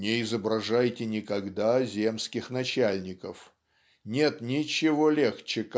"Не изображайте никогда земских начальников. Нет ничего легче